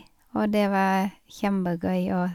Og det var kjempegøy òg.